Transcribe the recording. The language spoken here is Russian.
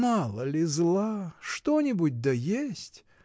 Мало ли зла: что-нибудь да есть!